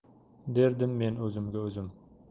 derdim men o'zimga o'zim